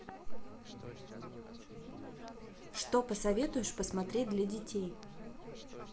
что посоветуешь посмотреть для детей